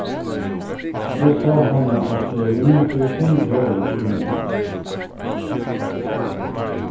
eg sá hana á støðini fyri fimm døgum síðan